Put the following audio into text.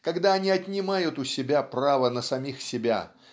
когда они отнимают у себя право на самих себя